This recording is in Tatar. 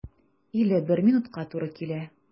51 минутка туры килә.